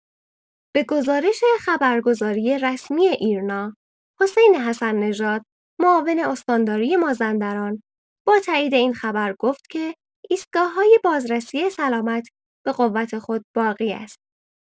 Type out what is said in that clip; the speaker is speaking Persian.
به گزارش خبرگزاری رسمی ایرنا حسین حسن نژاد، معاون استانداری مازندران، با تایید این خبر گفت که ایستگاه‌های بازرسی سلامت به قوت خود باقی است.